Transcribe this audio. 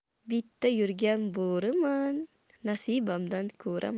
betda yurgan bo'riman nasibamdan ko'raman